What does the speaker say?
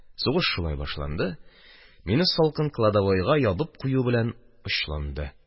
Сугыш шулай башланды, мине салкын кладовойга ябып кую белән очланды